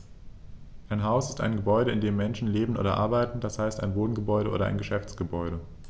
Ein Haus ist ein Gebäude, in dem Menschen leben oder arbeiten, d. h. ein Wohngebäude oder Geschäftsgebäude.